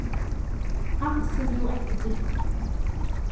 ansið nú eftir tykkum